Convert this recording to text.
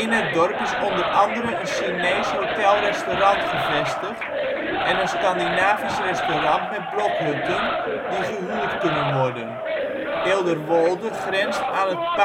het dorp is onder andere een Chinees hotel/restaurant gevestigd en een Scandinavisch restaurant met blokhutten, die gehuurd kunnen worden. Eelderwolde grenst aan het Paterswoldsemeer/Hoornsemeer